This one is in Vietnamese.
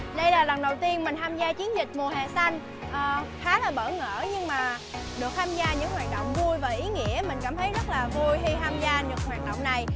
đây là lần đầu tiên mình tham gia chiến dịch mùa hè xanh khá là bỡ ngỡ nhưng mà được tham gia những hoạt động vui và ý nghĩa mình cảm thấy rất là vui khi tham gia được hoạt động này